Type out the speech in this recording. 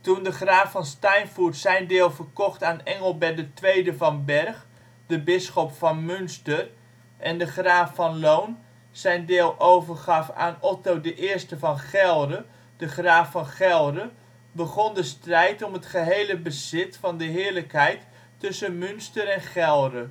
Toen de graaf van Steinfurt zijn deel verkocht aan Engelbert II van Berg de bisschop van Münster en de graaf van Lohn zijn deel overgaf aan Otto I van Gelre de graaf van Gelre, begon de strijd om het gehele bezit van de heerlijkheid tussen Münster en Gelre.